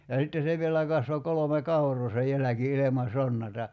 ja sitten se vielä kasvoi kolme kauraa se jälki ilman sonnatta